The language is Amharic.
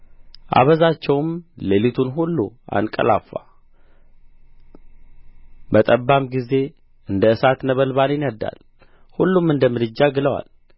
አበዛቸውም ሌሊቱን ሁሉ አንቀላፋ በጠባም ጊዜ እንደ እሳት ነበልባል ይነድዳል ሁሉም እንደ ምድጃ ግለዋል